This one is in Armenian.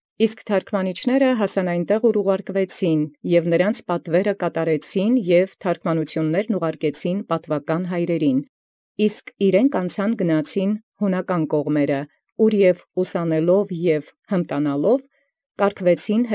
Իսկ թարգմանչացն հասեալ՝ ուր առաքեցանն, և կատարեալ զհրամանսն և առ պատուական հարսն առաքեալ, անցեալ գնային ի կողմանս Յունաց, ուր և ուսեալք և տեղեկացեալք, թարգմանիչս կարգէին ըստ։